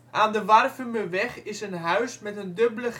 Aan de Warffumerweg is een huis met een dubbele